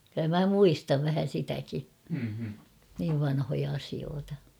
kyllä minä muistan vähän sitäkin niin vanhoja asioita